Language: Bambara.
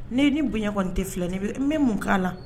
Ne ni bonya kɔni tɛ filɛ n bɛ mun k'a la